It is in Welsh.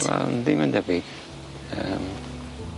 Wel yndi mae'n debyg. Yym.